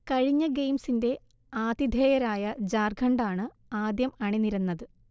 കഴിഞ്ഞ ഗെയിംസിന്റെ ആതിഥേയരായ ജാർഖണ്ഡാണ് ആദ്യം അണിനിരന്നത്